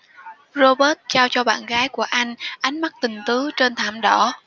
robert trao cho bạn gái của anh ánh mắt tình tứ trên thảm đỏ